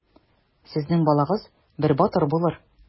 Сезнең балагыз бер батыр булыр.